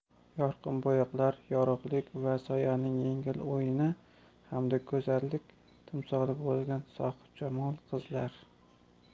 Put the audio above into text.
yorqin bo'yoqlar yorug'lik va soyaning yengil o'yini hamda go'zallik timsoli bo'lgan sohibjamol qizlar